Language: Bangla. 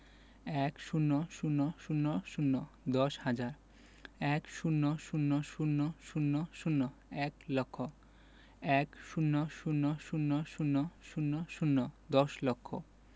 ১০০০০ দশ হাজার ১০০০০০ এক লক্ষ ১০০০০০০ দশ লক্ষ